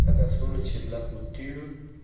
dadasi uni chetlab o'tdi yu